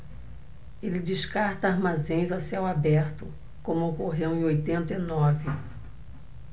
ele descarta armazéns a céu aberto como ocorreu em oitenta e nove